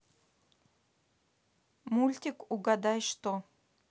мультик угадай что